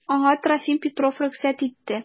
Аңа Трофим Петров рөхсәт итте.